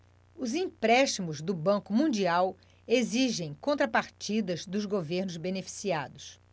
os empréstimos do banco mundial exigem contrapartidas dos governos beneficiados